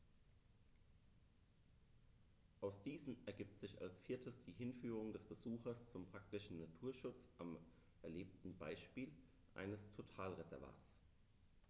Aus diesen ergibt sich als viertes die Hinführung des Besuchers zum praktischen Naturschutz am erlebten Beispiel eines Totalreservats.